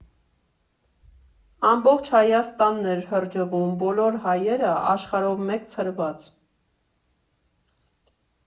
Ամբողջ Հայաստանն էր հրճվում, բոլոր հայերը՝ աշխարհով մեկ ցրված…